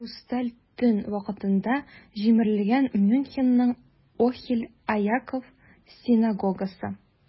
"хрусталь төн" вакытында җимерелгән мюнхенның "охель яаков" синагогасы.